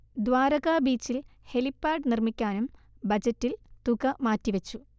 ദ്വാരകാ ബീച്ചിൽ ഹെലിപ്പാഡ് നിർമിക്കാനും ബജറ്റിൽ തുക മാറ്റിവെച്ചു